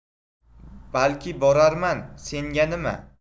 balki borarman senga nima